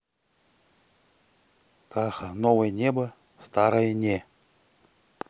каха новое небо старое не